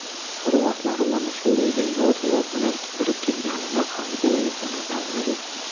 bir vaqtlar mana shu uyga yor yor bilan kirib kelganini haligina eslamaganmidi